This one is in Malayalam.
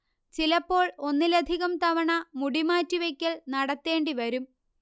ചിലപ്പോൾ ഒന്നിലധികം തവണ മുടി മാറ്റിവെക്കൽ നടത്തേണ്ടി വരും